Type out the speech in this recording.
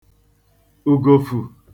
ùgòfù